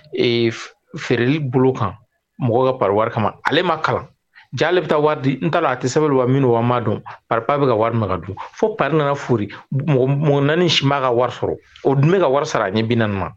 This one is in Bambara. Ee feereli bolo kan mɔgɔ ka pa kama ale ma kalan ja ale bɛ taa wari n taara a tɛ sabali wa minnuma don pa bɛ ka wari don fo pa nana fu mɔgɔ naani si b'a ka wari sɔrɔ o dun bɛ ka wari sara a ɲɛ biani ma